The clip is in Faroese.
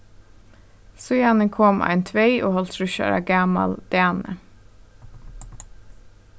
síðani kom ein tvey og hálvtrýss ára gamal dani